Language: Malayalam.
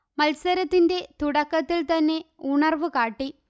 മത്സരത്തിന്റെ തുടക്കത്തിൽ തന്നെ ഉണർവ്വു കാട്ടി